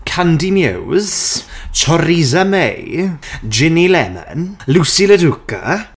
Kandy Muse, Choriza May, Ginny Lemon, Loosey LaDuca...